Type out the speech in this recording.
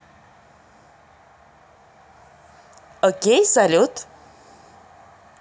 окей салют